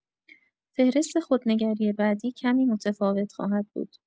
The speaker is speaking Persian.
فهرست خودنگری بعدی کمی متفاوت خواهد بود.